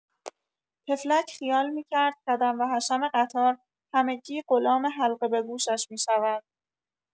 طفلک خیال می‌کرد خدم و حشم قطار همگی غلام حلقه به گوشش می‌شوند.